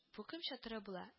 Бу кем чатыры була